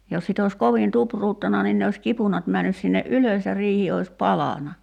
jos sitten olisi kovin tupruttanut niin ne olisi kipunat mennyt sinne ylös ja riihi olisi palanut